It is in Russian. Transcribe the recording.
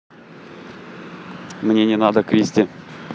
мне не надо кристи